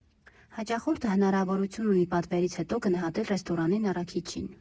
Հաճախորդը հնարավորություն ունի պատվերից հետո գնահատել ռեստորանին, առաքիչին։